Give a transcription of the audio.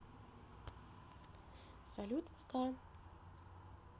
салют пока